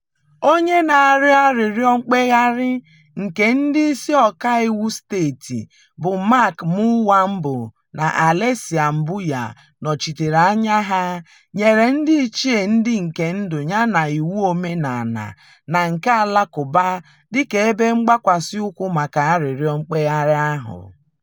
Onye na-arịọ arịrịọ mkpegharị, nke ndị isi ọkaiwu steeti bụ Mark Mulwambo na Alesia Mbuya nọchitere anya ya, nyere ndịiche ndị nke ndụ yana iwu omenala na nke Alakụba dịka ebe mgbakwasị ụkwụ maka arịrịọ mkpegharị ahụ.